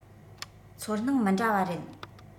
ཚོར སྣང མི འདྲ བ རེད